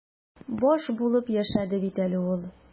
Баш булып яшәде бит әле ул.